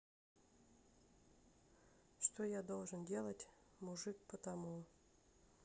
что я должен делать мужик потому